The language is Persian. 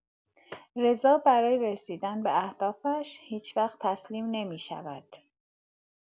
رضا برای رسیدن به اهدافش هیچ‌وقت تسلیم نمی‌شود.